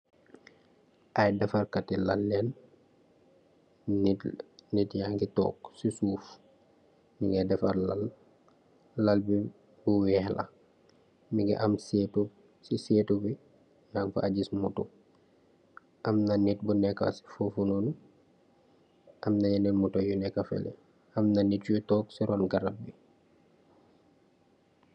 Ayy defarr Kati lal lenj Nit yange tork si suff nyugeh defarr lal lal bi bu weehe lah munge am seetu si seetu b Yang fa giss motor amna nit bu neka fofu nonu amna yehnen motor yuu neka feleh neleh amna nit yuu tork si Ron garap bi